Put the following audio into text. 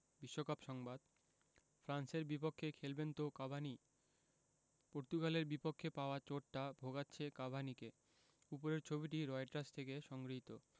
বিশ্বকাপ সংবাদ ফ্রান্সের বিপক্ষে খেলবেন তো কাভানি পর্তুগালের বিপক্ষে পাওয়া চোটটা ভোগাচ্ছে কাভানিকে ওপরের ছবিটি রয়টার্স থেকে সংগৃহীত